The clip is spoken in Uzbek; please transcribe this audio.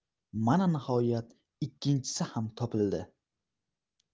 mana nihoyat ikkinchisi ham topildi